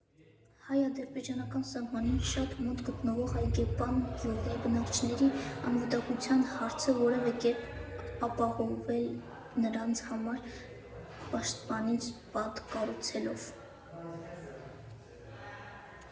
Հայ֊ադրբեջանական սահմանին շատ մոտ գտնվող Այգեպար գյուղի բնակիչների անվտանգության հարցը որևէ կերպ ապահովել՝ նրանց համար պաշտպանիչ պատ կառուցելով։